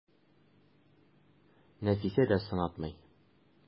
Нәфисә дә сынатмый.